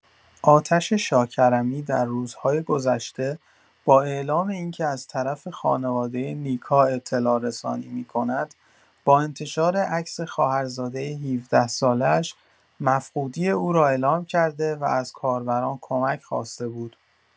آتش شاکرمی در روزهای گذشته با اعلام اینکه از طرف خانواده نیکا اطلاع‌رسانی می‌کند، با انتشار عکس خواهرزاده ۱۷ ساله‌اش، مفقودی او را اعلام کرده و از کاربران کمک خواسته بود.